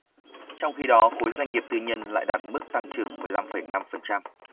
trong khi đó khối doanh nghiệp tư nhân lại đạt mức tăng trưởng mười lăm phẩy năm phần trăm